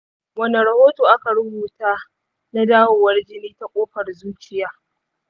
wane rahoto aka rubuta na dawowar jini ta kofar zuciya?